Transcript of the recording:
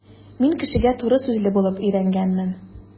Мин кешегә туры сүзле булып өйрәнгәнмен.